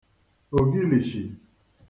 ògilìshì